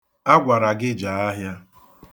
A gwara gị jee ahịa.